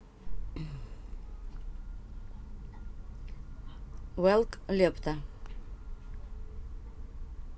walk лепта